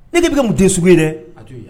E de bɛ mun den sugu ye dɛ